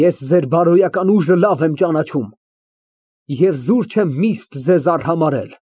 Ես ձեր բարոյական ուժը լավ եմ ճանաչում և զուր չեմ միշտ ձեզ արհամարհել։